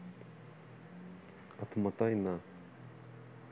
отмотай на